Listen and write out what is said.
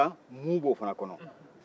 kamusa mu bɛ o fana kɔnɔ